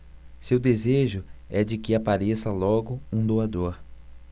seu desejo é de que apareça logo um doador